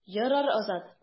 Ярар, Азат.